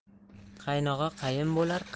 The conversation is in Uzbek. qaynog'a qayin bo'lar